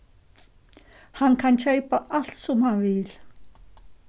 hann kann keypa alt sum hann vil